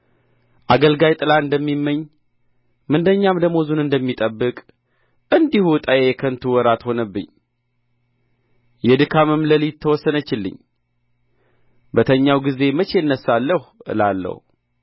አገልጋይ ጥላ እንደሚመኝ ምንደኛም ደመወዙን እንደሚጠብቅ እንዲሁ ዕጣዬ የከንቱ ወራት ሆነብኝ የድካምም ሌሊት ተወሰነችልኝ በተኛሁ ጊዜ መቼ እነሣለሁ እላለሁ